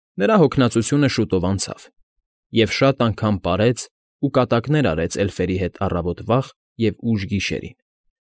Նրա հոգնածությունը շուտով անցավ, և շատ անգամ պարեց ու կատակներ արեց էլֆերի հետ առավոտ վաղ և ուշ գիշերին։